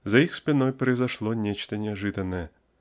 за их спиною произошло нечто неожиданное